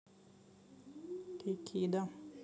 kikido